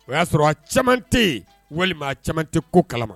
O y'a sɔrɔ a caaman tɛ yen walima caaman tɛ ko kalama